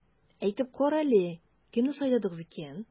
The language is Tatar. Әйтеп кара әле, кемне сайладыгыз икән?